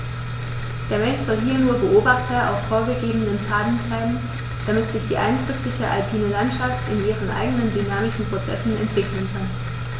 Der Mensch soll hier nur Beobachter auf vorgegebenen Pfaden bleiben, damit sich die eindrückliche alpine Landschaft in ihren eigenen dynamischen Prozessen entwickeln kann.